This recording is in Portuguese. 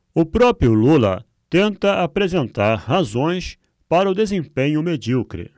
o próprio lula tenta apresentar razões para o desempenho medíocre